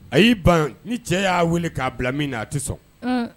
A y'i ban ni cɛ y'a weele k'a bila min na a tɛ sɔn